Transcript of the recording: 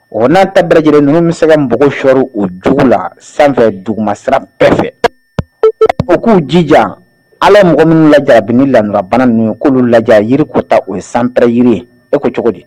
O n'a ta bɛɛ lajɛlen ninnu bɛ se ka npogo sɔri jugu la sanfɛ duguma siran bɛɛ fɛ u k'u jija Ala ye mɔgɔ minnu lajarabi ninnu ye k'olu lajɛ yiri kota o ye sanpɛrɛn yiri ye, e ko cogo di